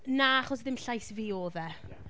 Na, achos ddim llais fi oedd e.